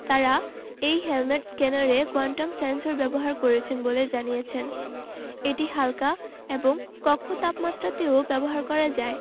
তারা এই হেলমেট স্ক্যানারে কোয়ান্টাম সেন্সর ব্যবহার করেছেন বলে জানিয়েছেন এটি হাল্কা এবং কক্ষ তাপমাত্রাতেও ব্যবহার করা যায়